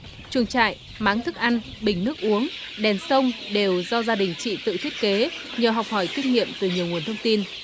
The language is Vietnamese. chuồng trại máng thức ăn bình nước uống đèn sông đều do gia đình chị tự thiết kế nhờ học hỏi kinh nghiệm từ nhiều nguồn thông tin